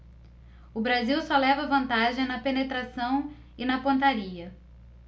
o brasil só leva vantagem na penetração e na pontaria